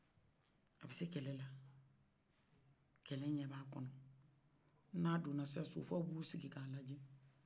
a bese kɛlɛla kɛlɛ ɲɛ b'a kɔnɔ n'a donna sisan sofaw bɛna sigi ka lajɛ